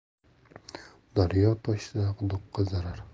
daryo toshsa quduqqa zarar